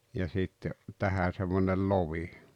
ja sitten tähän semmoinen lovi